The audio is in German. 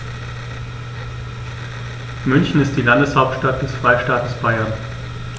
München ist die Landeshauptstadt des Freistaates Bayern.